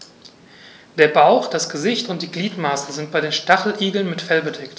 Der Bauch, das Gesicht und die Gliedmaßen sind bei den Stacheligeln mit Fell bedeckt.